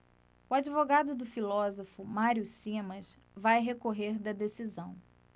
o advogado do filósofo mário simas vai recorrer da decisão